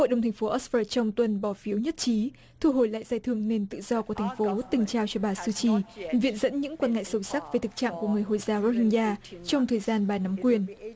hội đồng thành phố ót ruây trong tuần bỏ phiếu nhất trí thu hồi lại giải thưởng nền tự do của thành phố từng trao cho bà su chi viện dẫn những quan ngại sâu sắc về thực trạng của người hồi giáo rô nhi a trong thời gian bà nắm quyền